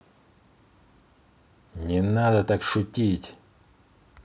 не надо так шутить